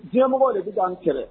Jiɲɛmɔgɔw de bi kan kɛlɛ